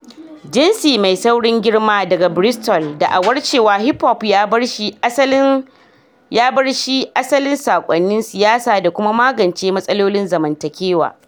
Jinsi Mai Saurin Girma, daga Bristol, da'awar cewa hip hop ya bar shi asalin sakonnin siyasa da kuma magance matsalolin zamantakewa.